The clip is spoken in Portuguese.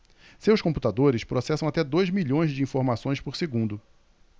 seus computadores processam até dois milhões de informações por segundo